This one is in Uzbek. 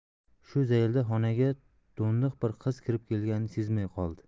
shu zaylda xonaga do'ndiq bir qiz kirib kelganini sezmay qoldi